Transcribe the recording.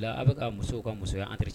A bɛ ka muso ka muso anre